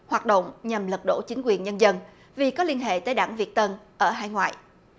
hoạt động nhằm lật đổ chính quyền nhân dân vì có liên hệ tới đảng việt tân ở hải ngoại